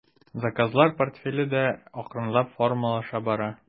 Заказлар портфеле дә акрынлап формалаша бара.